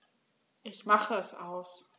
Ich mache es aus.